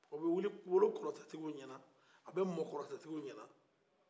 o bɛ wolo kɔrɔtɛtigiw ɲɛna a bɛ mɔɔ kɔrɔtɛtigiw ɲɛna